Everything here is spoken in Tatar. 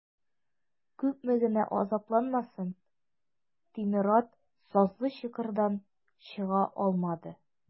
Күпме генә азапланмасын, тимер ат сазлы чокырдан чыга алмады.